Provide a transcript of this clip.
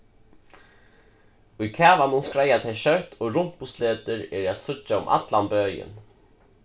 í kavanum skreiða tey skjótt og rumpusletur eru at síggja um allan bøin